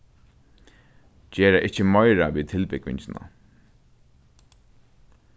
gera ikki meira við tilbúgvingina